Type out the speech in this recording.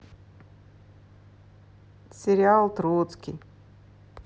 сериал троцкий